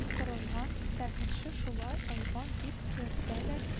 Корылган сәкенче шулай айван дип йөртәләр—